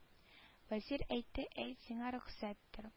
Вәзир әйтте әйт сиңа рөхсәттер